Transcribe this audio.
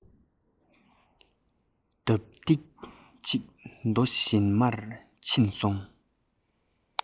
ལྡབ ལྡིབ ཅིག ཟློ བཞིན མར ཕྱིན སོང